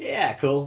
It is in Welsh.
Ia, cŵl.